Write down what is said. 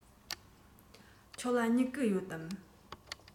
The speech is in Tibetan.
ཁྱོད ལ སྨྱུ གུ ཡོད དམ